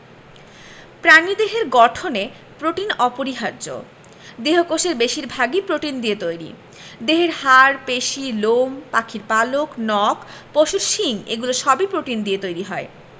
প্রাণীদেহের গঠনে প্রোটিন অপরিহার্য দেহকোষের বেশির ভাগই প্রোটিন দিয়ে তৈরি দেহের হাড় পেশি লোম পাখির পালক নখ পশুর শিং এগুলো সবই প্রোটিন দিয়ে তৈরি হয়